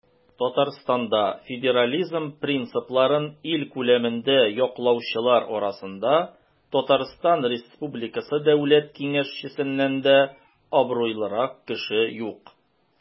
Татарстанда федерализм принципларын ил күләмендә яклаучылар арасында ТР Дәүләт Киңәшчесеннән дә абруйлырак кеше юк.